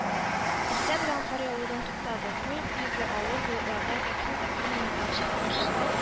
Иртә белән кар явудан туктады. Күк йөзе, авыр болытлардан әкрен-әкрен генә арчылып